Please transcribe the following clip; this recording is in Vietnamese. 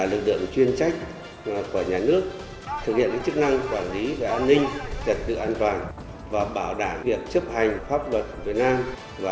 là lực lượng chuyên trách của nhà nước thực hiện những chức năng quản lý về an ninh trật tự an toàn và bảo đảm việc chấp hành pháp luật việt nam